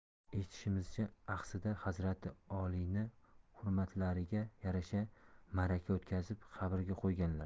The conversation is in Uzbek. eshitishimizcha axsida hazrati oliyni hurmatlariga yarasha maraka o'tkazib qabrga qo'yganlar